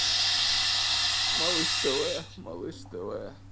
малыш тв малыш тв